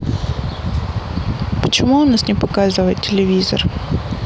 почему у нас не показывает телевизор